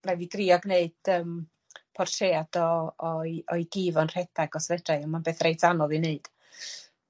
raid fi drio gneud yym portread o o'i o'i gi fo'n rhedag os fedrai on' ma'n beth reit anodd i neud.